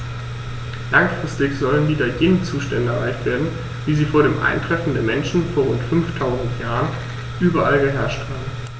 Langfristig sollen wieder jene Zustände erreicht werden, wie sie vor dem Eintreffen des Menschen vor rund 5000 Jahren überall geherrscht haben.